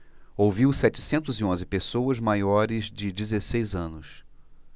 ouviu setecentos e onze pessoas maiores de dezesseis anos